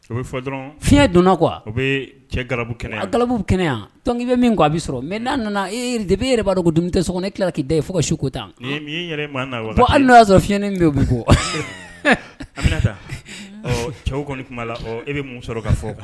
Fiɲɛ donna qu cɛ gabu a gabu kɛnɛ yan tɔn bɛ min a bɛ sɔrɔ mɛ n'a nana de e yɛrɛ b'a dɔn ko dum tɛ so ne tilala k'i da ye fo kako hali'a sɔrɔ fiɲɛin bɛ bɛ bɔ cɛw e bɛ sɔrɔ fɔ